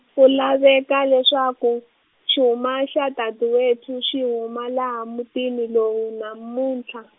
ku laveka leswaku, cuma xa Daduwethu xi huma laha mutini lowu namuntlha.